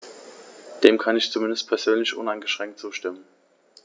Dem kann ich zumindest persönlich uneingeschränkt zustimmen.